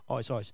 Oes, oes.